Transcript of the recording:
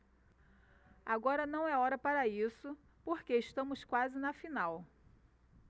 agora não é hora para isso porque estamos quase na final